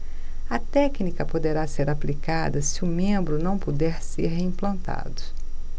a técnica poderá ser aplicada se o membro não puder ser reimplantado